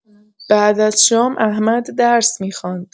بعد از شام، احمد درس می‌خواند.